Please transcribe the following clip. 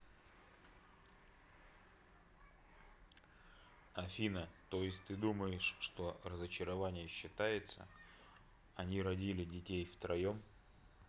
афина то есть ты думаешь что разочарование считается они родили детей втроем